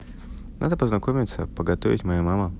надо познакомиться по готовить моя мама